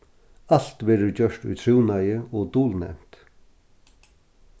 alt verður gjørt í trúnaði og dulnevnt